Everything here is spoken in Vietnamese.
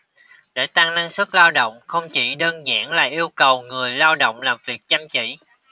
để tăng năng suất lao động không chỉ đơn giản là yêu cầu người lao động làm việc chăm chỉ